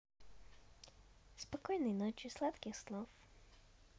спокойной ночи сладких снов